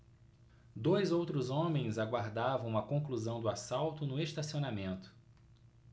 dois outros homens aguardavam a conclusão do assalto no estacionamento